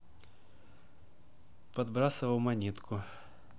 подбрасывал монетку